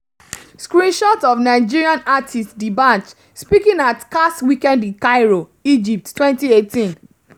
Screenshot of Nigerian artist D'banj speaking at CAX Weekend in Cairo, Egypt, 2018.